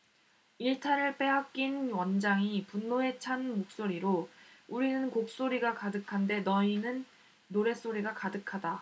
일타를 빼앗긴 원장이 분노에 찬 목소리로 우리는 곡소리가 가득한데 너희는 노랫소리가 가득하다